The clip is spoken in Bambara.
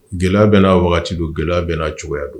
Gɛlɛya bɛ n'a wagati don gɛlɛya bɛ n'a cogoya don